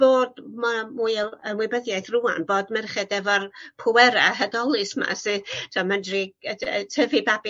bod 'ma mwy o ymwybyddiaeth rŵan bod merched efo'r pwera hydolus 'ma sy t'mod medru yy d- yy tyfu babi